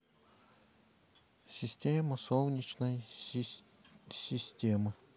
система солнечной системы